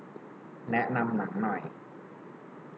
มีอะไรน่าดูบ้าง